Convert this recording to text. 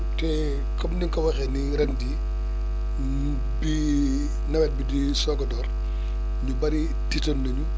te comme ni nga ko waxee ni ren jii bi nawet bi di soog a door ñu bëri tiitoon nañu